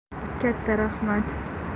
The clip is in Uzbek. katta rahmat